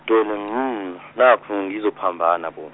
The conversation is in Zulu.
Dolly mmm nakhu ngizophambana bo.